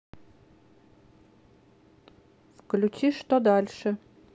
включи что дальше